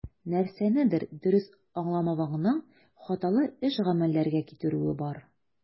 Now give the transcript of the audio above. Нәрсәнедер дөрес аңламавыңның хаталы эш-гамәлләргә китерүе бар.